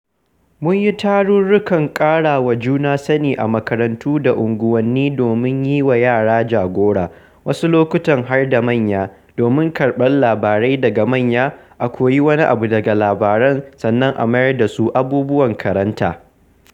Mun yi tarurrukan ƙarawa juna sani a makarantu da unguwanni domin yi wa yara jagora, wasu lokutan har da manya, domin karɓar labarai daga manya, a koyi wani abu daga labaran, sannan a mayar da su abubuwan karanta.